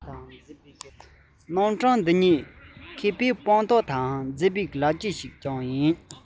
རྣམ གྲངས འདི ཉིད མཁས པའི དཔང རྟགས དང མཛངས པའི ལག རྗེས ཤིག ཀྱང ཡིན